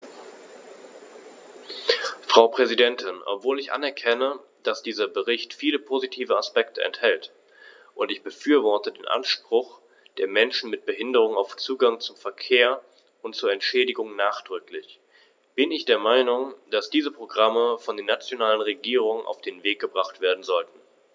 Frau Präsidentin, obwohl ich anerkenne, dass dieser Bericht viele positive Aspekte enthält - und ich befürworte den Anspruch der Menschen mit Behinderung auf Zugang zum Verkehr und zu Entschädigung nachdrücklich -, bin ich der Meinung, dass diese Programme von den nationalen Regierungen auf den Weg gebracht werden sollten.